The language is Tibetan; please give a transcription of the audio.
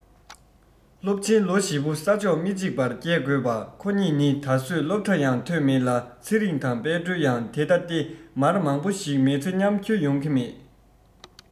སློབ ཆེན ལོ བཞི པོ ས ཕྱོགས མི གཅིག པར བསྐྱོལ དགོས པ ཁོ གཉིས ནི ད གཟོད སློབ གྲྭ ཡང ཐོན མེད ལ ཚེ རིང དང དཔལ སྒྲོན ཡང དེ ལྟ སྟེ མར མང པོ ཞིག མི ཚེ མཉམ འཁྱོལ ཡོང གི མེད